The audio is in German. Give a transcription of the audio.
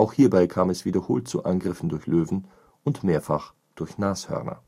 hierbei kam es wiederholt zu Angriffen durch Löwen und mehrfach durch Nashörner